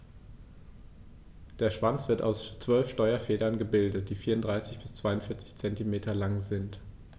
Der Schwanz wird aus 12 Steuerfedern gebildet, die 34 bis 42 cm lang sind.